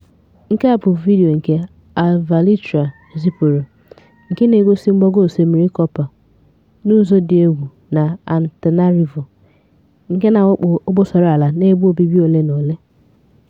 Nke a bụ vidiyo nke avyalvitra zipụrụ, nke na-egosị mgbago osimiri Ikopa n'ụzọ dị egwu na Antananarivo, nke na-awakpo obosara ala n'ebe obibi ole na ole.